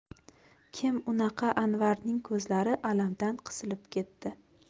kim unaqa anvarning ko'zlari alam dan qisilib ketdi